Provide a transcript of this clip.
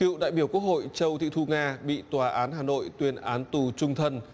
cựu đại biểu quốc hội châu thị thu nga bị tòa án hà nội tuyên án tù chung thân